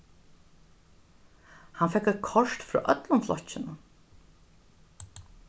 hann fekk eitt kort frá øllum flokkinum